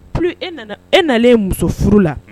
Plus e nana, e nalen musofuru la